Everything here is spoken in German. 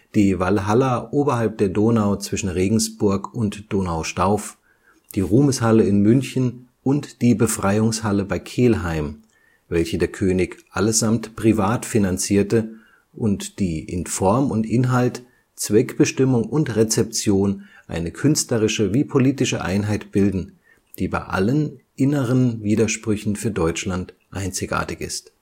die Walhalla oberhalb der Donau zwischen Regensburg und Donaustauf (1842), die Ruhmeshalle in München (1853) und die Befreiungshalle bei Kelheim (1863), welche der König allesamt privat finanzierte und die in Form und Inhalt, Zweckbestimmung und Rezeption eine künstlerische wie politische Einheit bilden, die bei allen inneren Widersprüchen für Deutschland einzigartig ist